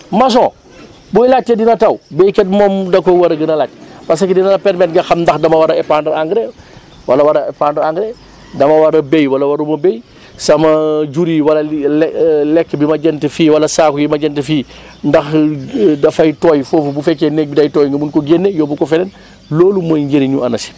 maçon buy laajte dina taw béykat bi moom da ko war a gën a laajte parce que dina la permettre nga xam ndax dama war a épandre engrais wala war a épandre engrais dama war a béy wala waruma béy sama jur yi war a lekk bi ma jënd fii wala saako yi ma jënd fii ndax dafay tooy foofu bu fekkee néeg bi day tooy nga mun ko génne yóbbu ko feneen loolu mooy njëriñu ANACIM